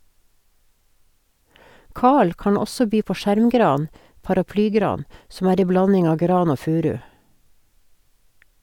Karl kan også by på skjermgran (paraplygran), som er ei blanding av gran og furu.